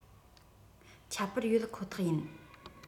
ཁྱད པར ཡོད ཁོ ཐག ཡིན